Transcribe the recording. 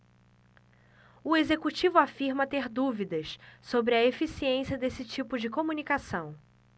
o executivo afirma ter dúvidas sobre a eficiência desse tipo de comunicação